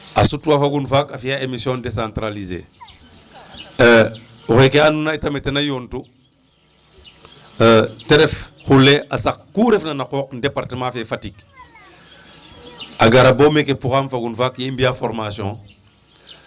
A sutwa fagun faak a fi'aa émission décentraliser oxe andoona yee yit koy ten na yoontu ta ref Khoulé a saq ku refna na qooq Département ne Fatick a gara bo meeke fagun faak yee i mbi'aa formation.